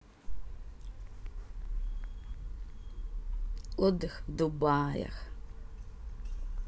отдых в дубаях